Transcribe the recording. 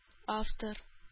Автор